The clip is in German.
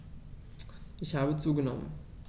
Ich habe zugenommen.